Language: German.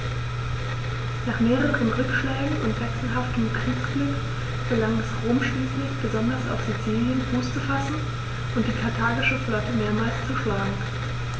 Nach mehreren Rückschlägen und wechselhaftem Kriegsglück gelang es Rom schließlich, besonders auf Sizilien Fuß zu fassen und die karthagische Flotte mehrmals zu schlagen.